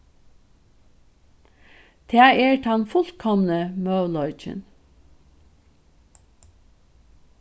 tað er tann fullkomni møguleikin